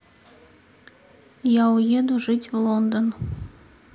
я уеду жить в лондон